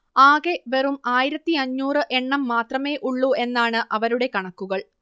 ആകെ വെറും ആയിരത്തിയഞ്ഞൂറ് എണ്ണം മാത്രമേ ഉള്ളൂ എന്നാണ് അവരുടെ കണക്കുകൾ